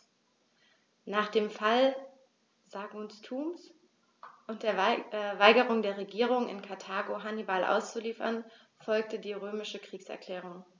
Nach dem Fall Saguntums und der Weigerung der Regierung in Karthago, Hannibal auszuliefern, folgte die römische Kriegserklärung.